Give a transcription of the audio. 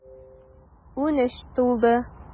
Унөч тулды.